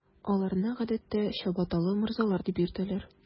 Аларны, гадәттә, “чабаталы морзалар” дип йөртәләр.